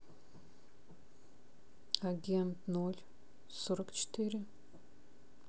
агент ноль сорок четыре